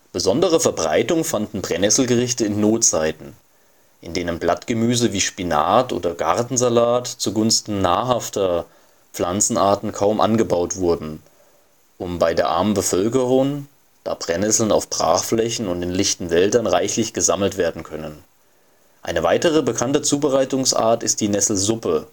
Besondere Verbreitung fanden Brennnesselgerichte in Notzeiten, in denen Blattgemüse wie Spinat oder Gartensalat zugunsten nahrhafterer Pflanzenarten kaum angebaut wurden, und bei der armen Bevölkerung, da Brennnesseln auf Brachflächen und in lichten Wäldern reichlich gesammelt werden können. Eine weitere bekannte Zubereitungsart ist die Nesselsuppe